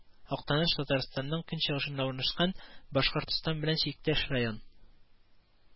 Актаныш Татарстанның көнчыгышында урнашкан, Башкортстан белән чиктәш район